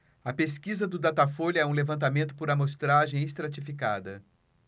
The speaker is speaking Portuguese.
a pesquisa do datafolha é um levantamento por amostragem estratificada